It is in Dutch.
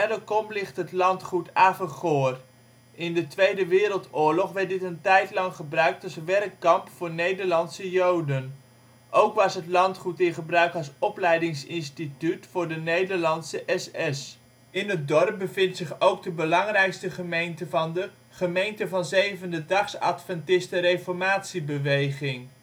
Ellecom ligt het landgoed Avegoor. In de Tweede Wereldoorlog werd dit een tijdlang gebruikt als werkkamp voor Nederlandse Joden. Ook was het landgoed in gebruik als opleidingsinstituut voor de Nederlandsche SS. In het dorp bevindt zich ook de belangrijkste gemeente van de Gemeente van Zevende Dags Adventisten Reformatiebeweging